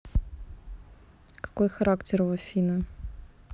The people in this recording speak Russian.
какой характер у афины